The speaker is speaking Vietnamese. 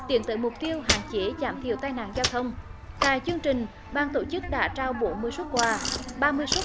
tiến tới mục tiêu hạn chế giảm thiểu tai nạn giao thông tại chương trình ban tổ chức đã trao bốn mươi suất quà ba mươi suất